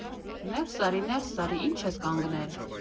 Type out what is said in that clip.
Նե՛րս արի, նե՛րս արի, ի՜նչ ես կանգնել…